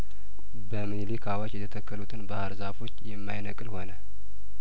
በሚንሊክ አዋጅ የተተከሉትን ባህር ዛፎች የማይነቅል ሆነ